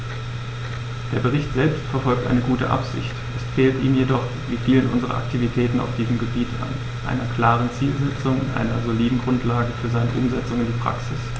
Der Bericht selbst verfolgt eine gute Absicht, es fehlt ihm jedoch wie vielen unserer Aktivitäten auf diesem Gebiet an einer klaren Zielsetzung und einer soliden Grundlage für seine Umsetzung in die Praxis.